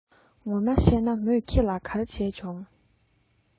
ངོ མ གཤད ན མོས ཁྱེད ལ ག རེ བྱས བྱུང